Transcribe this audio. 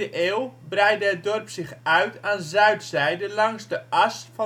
eeuw breidde het dorp zich uit aan zuidzijde langs de as